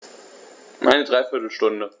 Eine dreiviertel Stunde